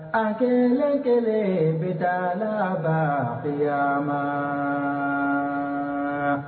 An keelen-keleen bɛ taa daa baa kiyamaaaa